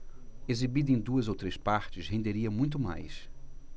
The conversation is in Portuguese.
exibida em duas ou três partes renderia muito mais